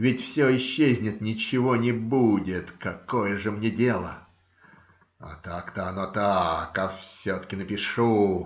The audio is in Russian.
Ведь все исчезнет, ничего не будет: какое же мне дело. - Так-то оно так. А все-таки напишу.